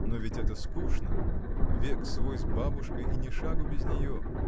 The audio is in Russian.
— Но ведь это скучно: век свой с бабушкой и ни шагу без нее.